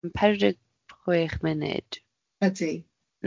Yn pederdeg chwech munud. Ydi.